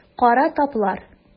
Кара таплар.